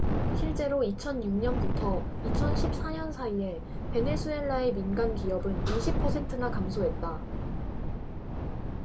실제로 이천 육 년부터 이천 십 사 년 사이에 베네수엘라의 민간기업은 이십 퍼센트나 감소했다